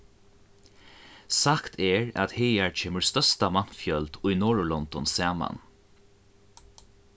sagt er at hagar kemur størsta mannfjøld í norðurlondum saman